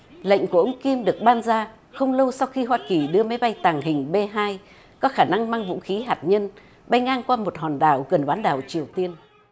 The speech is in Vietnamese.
lệnh của ông kim được bán ra không lâu sau khi hoa kỳ đưa máy bay tàng hình bê hai có khả năng mang vũ khí hạt nhân bay ngang qua một hòn đảo gần bán đảo triều tiên